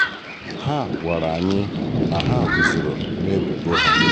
Ha gwara anyị na ha gụzọro n’ebubo ha.